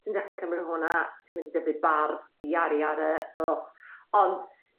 ti'n dechre cymyd y honna, ti mynd i dyfu barf, yada yada ont